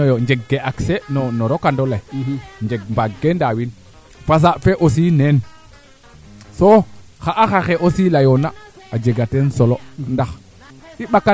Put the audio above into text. a qooq rek i ŋanjane to yit leya dene i ŋanjane cegu solo ka ando naye o njiriño kaa ando naye a pandoox roog a paax a ley teen ndax